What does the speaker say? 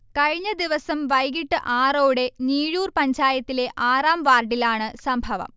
കഴിഞ്ഞദിവസം വൈകീട്ട് ആറോടെ ഞീഴൂർ പഞ്ചായത്തിലെ ആറാം വാർഡിലാണ് സംഭവം